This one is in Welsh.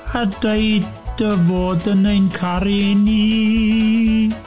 A dweud dy fod yn ein caru i ni.